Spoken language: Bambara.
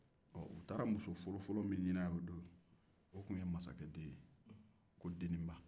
u taara muso fɔlɔ min ɲini a ye o tun ye masakɛden ye ko deninba